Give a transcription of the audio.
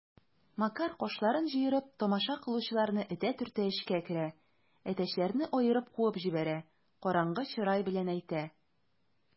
Макар, кашларын җыерып, тамаша кылучыларны этә-төртә эчкә керә, әтәчләрне аерып куып җибәрә, караңгы чырай белән әйтә: